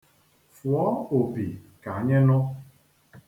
Fụọ opi ka anyị nụ.